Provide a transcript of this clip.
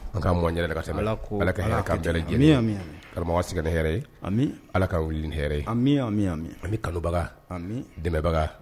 An ka mɔn ala karamɔgɔ siga hɛrɛ ami ala ka wuli hɛrɛ amimi an kanubaga dɛmɛbaga